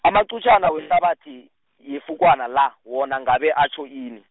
amaqutjana wehlabathi, yefukwana la, wona ngabe atjho ini.